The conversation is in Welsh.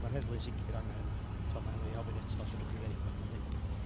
Mae'r heddlu'n sicr angen, tibod, mae angen i mi ofyn eto os fedrwch chi ddeud rywbeth am hyn.